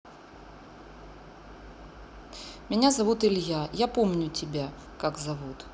меня зовут илья я помню тебя как зовут